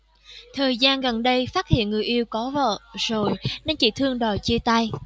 thời gian gần đây phát hiện người yêu có vợ rồi nên chị thương đòi chia tay